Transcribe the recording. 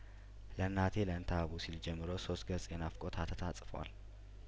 ለእናቴ ለእንተሀቡ ሲል ጀምሮ ሶስት ገጽ የናፍቆት ሀተታ ጽፏል